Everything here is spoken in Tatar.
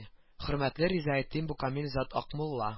Хөрмәтле ризаэддин бу камил зат акмулла